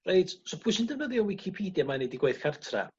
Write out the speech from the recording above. reit so pwy sy'n defnyddio wicipedia ma' ineud 'i gweith cartra?